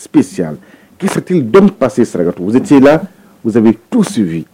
Si kiti dɔn pase sarakati t' la tu subi